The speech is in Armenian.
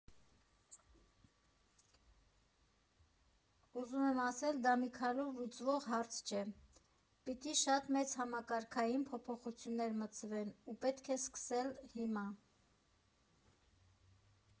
Ուզում եմ ասել, դա մի քայլով լուծվող հարց չէ, պիտի շատ մեծ համակարգային փոփոխություններ մտցվեն, ու պետք է սկսել հիմա։